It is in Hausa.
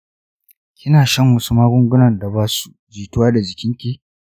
kina shan wasu magungunan da basu jituwa da jikinki.